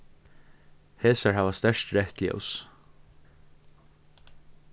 hesar hava sterkt reytt ljós